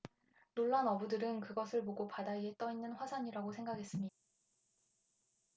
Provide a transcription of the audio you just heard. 놀란 어부들은 그것을 보고 바다 위에 떠 있는 화산이라고 생각했습니다